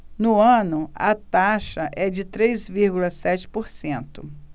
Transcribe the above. no ano a taxa é de três vírgula sete por cento